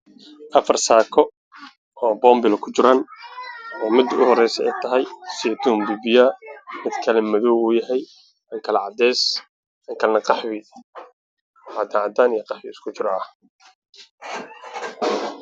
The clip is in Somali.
Waa saako midadkeedu yahay madow cadaan